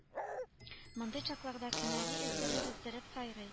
Мондый чакларда кенәри өздереп-өздереп сайрый